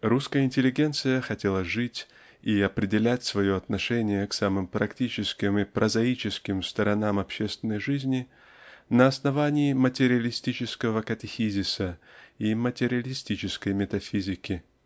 Русская интеллигенция хотела жить и определять свое отношение к самым практическим и прозаическим сторонам общественной жизни на основании материалистического катехизиса и материалистической метафизики.